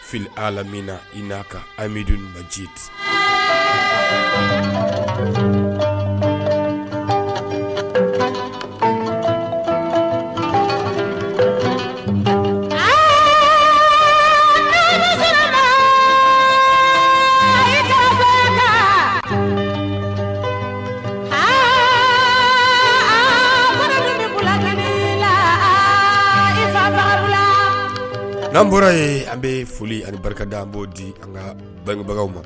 Fili a la min na i n'a ka an bidu ji lala n'an bɔra yen an bɛ foli ani barika da an bɔ di an ka babagaw ma